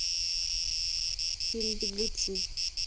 фильм беглецы